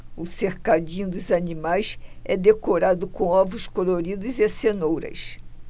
o cercadinho dos animais é decorado com ovos coloridos e cenouras